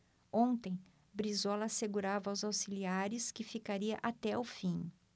ontem brizola assegurava aos auxiliares que ficaria até o fim